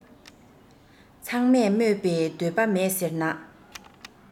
ཚང མས སྨོད པའི འདོད པ མེད ཟེར ན